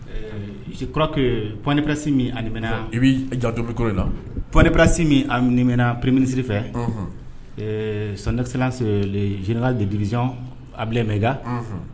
Kura pɛpsi min amina i bɛ jatokɔrɔ la panprasiminana prim minisiri fɛ sanɛsi jinaka de dizy a bilamɛka